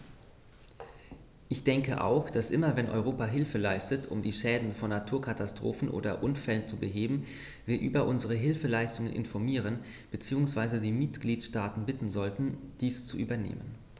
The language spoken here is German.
Ich denke auch, dass immer wenn Europa Hilfe leistet, um die Schäden von Naturkatastrophen oder Unfällen zu beheben, wir über unsere Hilfsleistungen informieren bzw. die Mitgliedstaaten bitten sollten, dies zu übernehmen.